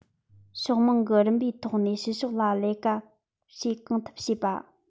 ཕྱོགས མང གི རིམ པའི ཐོག ནས ཕྱི ཕྱོགས ལ ལས ཀ བྱེད གང ཐུབ བྱེད པ